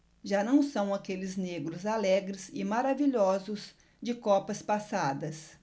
já não são aqueles negros alegres e maravilhosos de copas passadas